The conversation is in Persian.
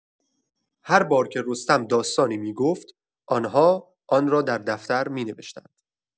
هر بار که رستم داستانی می‌گفت، آن‌ها آن را در دفتر می‌نوشتند.